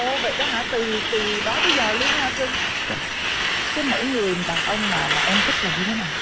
ô vậy đó hả từ từ đó tới giờ luôn á hả cưng dạ cái mẫu người đàn ông mà mà em thích là như thế nào